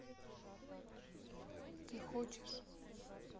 ты хочешь